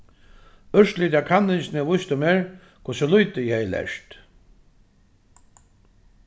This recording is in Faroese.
úrslitið av kanningini vísti mær hvussu lítið eg hevði lært